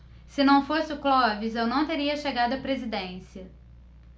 se não fosse o clóvis eu não teria chegado à presidência